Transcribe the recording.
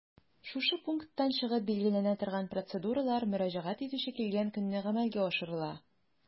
Шушы пункттан чыгып билгеләнә торган процедуралар мөрәҗәгать итүче килгән көнне гамәлгә ашырыла.